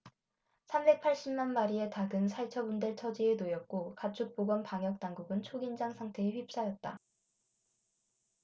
삼백 팔십 만 마리의 닭은 살처분될 처지에 놓였고 가축보건 방역당국은 초긴장 상태에 휩싸였다